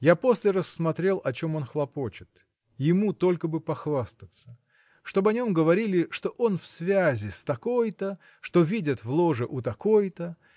– Я после рассмотрел, о чем он хлопочет. Ему только бы похвастаться – чтоб о нем говорили что он в связи с такой-то что видят в ложе у такой-то